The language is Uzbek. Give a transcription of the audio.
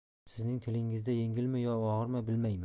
sizning tilingizda yengilmi yo og'irmi bilmayman